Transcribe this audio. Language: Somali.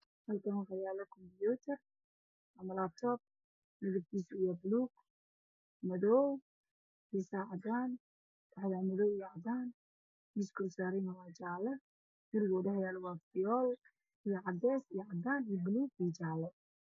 Meeshaan waxaa yaalo kumiitar ama laabtoob midabkiisu waa buluug madow iyo cadaan, miiska uu yaalo waa jaale, guriga waa fiyool, cadaan, cadeys, buluug iyo jaale.